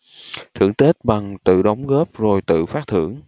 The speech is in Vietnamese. thưởng tết bằng tự đóng góp rồi tự phát thưởng